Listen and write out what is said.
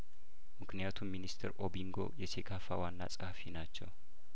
ምክንያቱም ሚኒስተር ኦቢንጐ የሴካፋ ዋና ጸሀፊ ናቸው